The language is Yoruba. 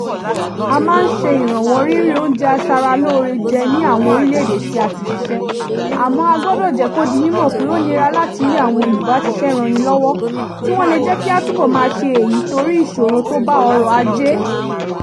A máa ń ṣe ìrànwọ́ rírí oúnjẹ aṣaralóore jẹ ní àwọn orìlẹ̀ èdè tí a ti ṣiṣẹ, àmọ́, a gbọ́dọ̀ jẹ́ kò di mímọ̀ pé ó nira láti rí àwọn olùbáṣiṣẹ́-rannilọ́wọ́ tí wọ́n lè jẹ́ kí a túbọ̀ máa ṣe èyí torí ìṣòro tó bá ọrọ̀ ajé.